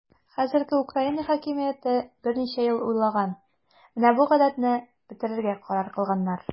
Хәзерге Украина хакимияте берничә ел уйлаган, менә бу гадәтне бетерергә карар кылганнар.